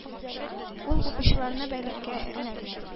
Ул укучыларына бәйлелеккә эләгә.